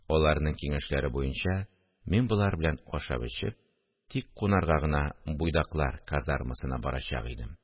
Аларның киңәшләре буенча, мин болар белән ашап-эчеп, тик кунарга гына буйдаклар казармасына барачак идем